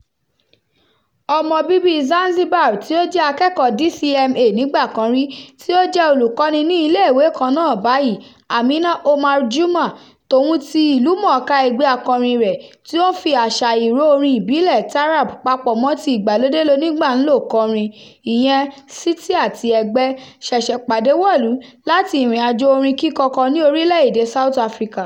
Ọmọ bíbíi Zanzibar, tí ó jẹ́ akẹ́kọ̀ọ́ọ DCMA nígbà kan rí, tí ó jẹ́ olùkọ́ni ní iléèwé kan náà báyìí, Amina Omar Juma tòun ti ìlú mọ̀ọ́ká ẹgbẹ́ akọrin rẹ̀, tí ó ń "fi àṣà ìró orin ìbílẹ̀ " taarab papọ̀ mọ́ ti ìgbàlódélonígbàńlò kọrin, ìyẹn "Siti àti Ẹgbẹ́ ", ṣẹ̀ṣẹ̀ padà wọ̀lú láti ìrìnàjò orin kíkọ kan ní orílẹ̀-èdèe South Africa.